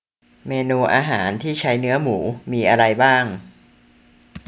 เมนูอาหารที่ใช้เนื้อหมูมีอะไรบ้าง